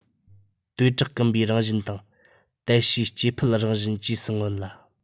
དོས དྲག སྐུམ པའི རང བཞིན དང དལ གཤིས སྐྱེ འཕེལ རང བཞིན བཅས སུ མངོན ལ